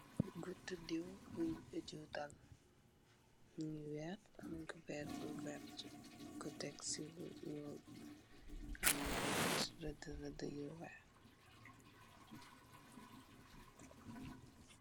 Gutu dew bonu jutal muge weex am kuberr bu werte nugku tek se lu nuul amna aye rede rede yu weex.